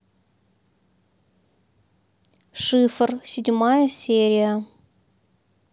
шифр седьмая серия